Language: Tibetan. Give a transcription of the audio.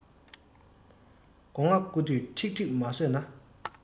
སྒོ ང རྐུ དུས ཁྲིག ཁྲིག མ ཟོས ན